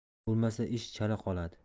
bo'lmasa ish chala qoladi